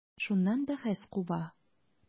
Шуннан бәхәс куба.